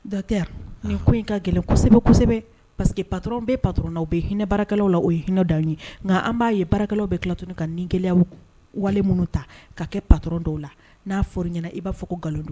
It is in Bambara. Datɛyara ko in ka gɛlɛn kosɛbɛsɛbɛ pa parce que patw bɛ parw bɛ hinɛ baarakɛlaww la o ye hinɛdaw ye nka an b'a ye baarakɛlaw bɛɛ tilat ka ni gɛlɛyabu wali minnu ta ka kɛ patr dɔw la n'a f ɲɛnana i b'a fɔ ko nkalon don